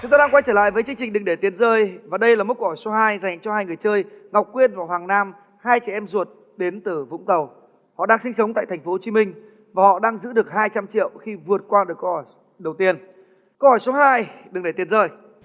chúng ta đang quay trở lại với chương trình đừng để tiền rơi và đây là mốc câu hỏi số hai dành cho hai người chơi ngọc quyên và hoàng nam hai chị em ruột đến từ vũng tàu họ đang sinh sống tại thành phố hồ chí minh và họ đang giữ được hai trăm triệu khi vượt qua được câu hỏi đầu tiên câu hỏi số hai đừng để tiền rơi